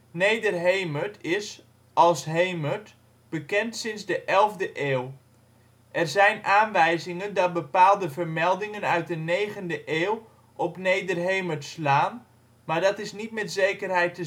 Nederhemert is, als Hemert, bekend sinds de 11e eeuw. Er zijn aanwijzingen dat bepaalde vermeldingen uit de 9e eeuw op Nederhemert slaan, maar dat is niet met zekerheid